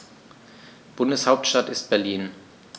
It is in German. Bundeshauptstadt ist Berlin.